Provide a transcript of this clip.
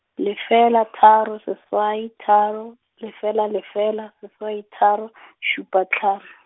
lefela tharo seswai tharo, lefela lefela, seswai tharo , šupa hlano.